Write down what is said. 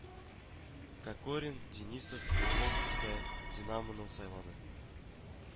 Кокорин, Денисов, Жирков исә Динамо ны сайлады